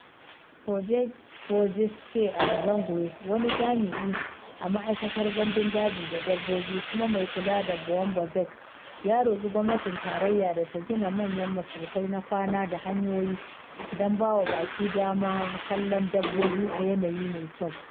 Georges K. Azangue, wani jami’i a Ma’aikatar Gandun Daji da Dabbobi kuma mai kula da Boumba Bek, ya roƙi gwamnatin tarayya da “ta gina manyan masaukai na kwana da hanyoyi don ba wa baƙi damar kallon dabbobi a yanayi mai kyau.”